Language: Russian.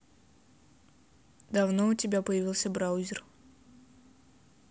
давно у тебя появился браузер